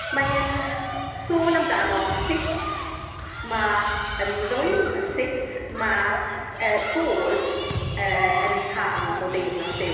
Mae e'n sôn amdano sut ma' ymddwyn, sut ma', yy, bod, yy, yn rhan o deyrnas Duw.